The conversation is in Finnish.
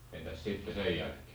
entäs sitten sen jälkeen